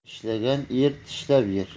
ishlagan er tishlab yer